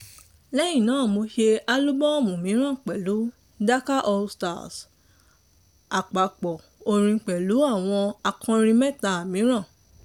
Lẹ́yìn náà, mo ṣe álúbọ́ọ̀mù mìíràn pẹ̀lú Dakar All Stars, àpapọ̀ orin pẹ̀lú àwọn akọrin 3 mìíràn.